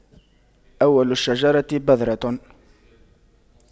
أول الشجرة بذرة